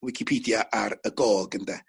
wicipedia ar y gog ynde.